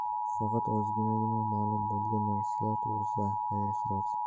faqat o'zigagina ma'lum bo'lgan narsalar to'g'risida xayol surardi